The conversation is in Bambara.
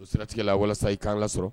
Don siratigɛ la walasa i kaana sɔrɔ